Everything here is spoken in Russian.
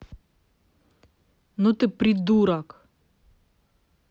ну ты придурок